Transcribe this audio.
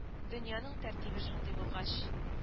Дөньяның тәртибе шундый булгач